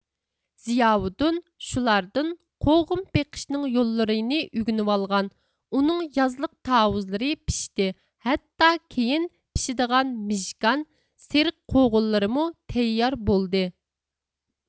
زىياۋۇدۇن شۇلاردىن قوغۇن بېقىشنىڭ يوللىرىنى ئۆگىنىۋالغان ئۇنىڭ يازلىق تاۋۇزلىرى پىشتى ھەتتا كېيىن پىشىدىغان مىژگان سېرىق قوغۇنلىرىمۇ تەييار بولدى